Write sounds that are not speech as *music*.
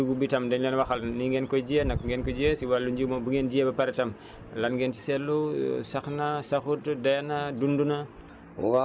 bu dee dugub bi tam dañ leen waxoon nii ngeen koy jiyee *noise* naka ngeen ko jiyee si wàllu si wàllu nji moomu bu ngeen jiyee ba pare tam *breath* lan ngeen seetlu *hesitation* sax na saxut dee na dund na